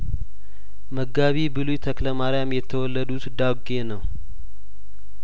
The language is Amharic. መጋቢ ብሉይ ተክለማሪያም የተወለዱት ዳጔ ነው